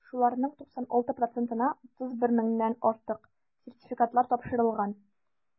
Шуларның 96 процентына (31 меңнән артык) сертификатлар тапшырылган.